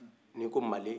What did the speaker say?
ni ko male